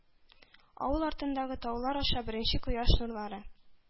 Авыл артындагы таулар аша беренче кояш нурлары